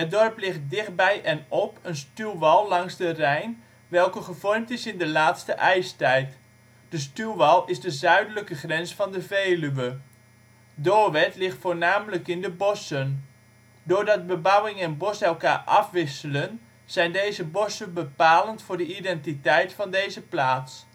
dorp ligt dichtbij en op een stuwwal langs de Rijn, welke gevormd is in de laatste ijstijd. De stuwwal is de zuidelijke grens van de Veluwe. Doorwerth ligt voornamelijk in de bossen. Doordat bebouwing en bos elkaar afwisselen, zijn deze bossen bepalend voor de identiteit van deze plaats